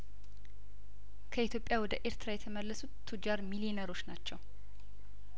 ከኢትዮጵያ ወደ ኤርትራ የተመለሱት ቱጃር ሚሊዬነሮች ናቸው